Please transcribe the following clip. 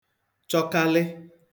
chọkalị